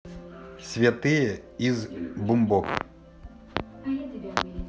святые из бумбок